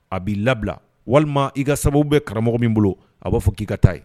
A b'i labila walima i ka sababu bɛ karamɔgɔ min bolo a b' fɔ k'i ka taa ye